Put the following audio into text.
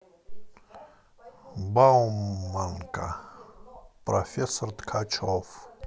бауманка профессор ткачев